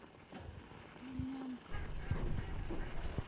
ням нямка